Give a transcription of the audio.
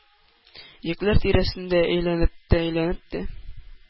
Йөкләр тирәсендә әйләнеп-әйләнеп тә